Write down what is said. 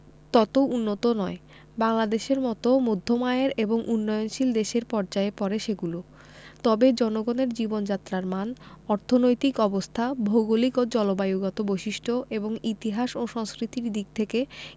তত উন্নত নয় বাংলাদেশের মতো মধ্যম আয়ের এবং উন্নয়নশীল দেশের পর্যায়ে পড়ে সেগুলো তবে জনগণের জীবনযাত্রার মান অর্থনৈতিক অবস্থা ভৌগলিক ও জলবায়ুগত বৈশিষ্ট্য এবং ইতিহাস ও সংস্কৃতির দিক থেকে